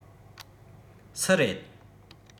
སུ རེད